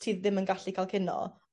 ti ddim yn gallu ca'l cino.